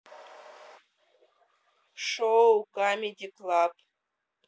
шоу камеди клаб